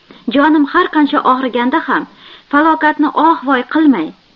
jonim har qancha og'riganda ham falokatni oh voy qilmay